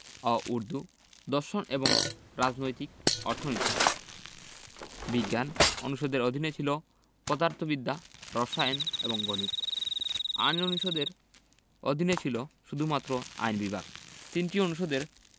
ও উর্দু দর্শন এবং রাজনৈতিক অর্থনীতি বিজ্ঞান অনুষদের অধীনে ছিল পদার্থবিদ্যা রসায়ন এবং গণিত আইন অনুষদের অধীনে ছিল শুধুমাত্র আইন বিভাগ ৩টি অনুষদের